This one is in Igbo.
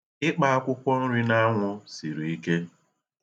Ịkpa akwụkwọ nri n'anwụ siri ike.